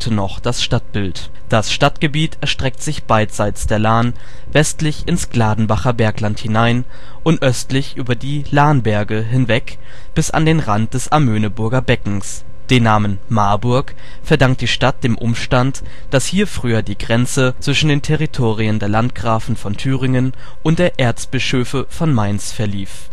noch das Stadtbild. Das Stadtgebiet erstreckt sich beidseits der Lahn westlich ins Gladenbacher Bergland hinein und östlich über die Lahnberge hinweg bis an den Rand des Amöneburger Beckens. Den Namen " Marburg " verdankt die Stadt dem Umstand, dass hier früher die Grenze (" mar (c) ") zwischen den Territorien der Landgrafen von Thüringen und der Erzbischöfe von Mainz verlief